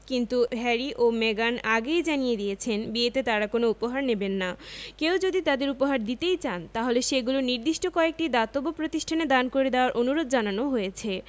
কিন্তু হ্যারি ও মেগান আগেই জানিয়ে দিয়েছেন বিয়েতে তাঁরা কোনো উপহার নেবেন না কেউ যদি তাঁদের উপহার দিতেই চান তাহলে সেগুলো নির্দিষ্ট কয়েকটি দাতব্য প্রতিষ্ঠানে দান করে দেওয়ার অনুরোধ জানানো হয়েছে